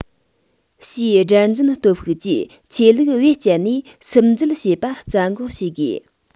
ཕྱིའི དགྲར འཛིན སྟོབས ཤུགས ཀྱིས ཆོས ལུགས བེད སྤྱད ནས སིམ འཛུལ བྱེད པ རྩ འགོག བྱེད དགོས